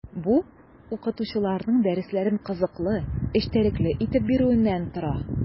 Бу – укытучыларның дәресләрен кызыклы, эчтәлекле итеп бирүеннән тора.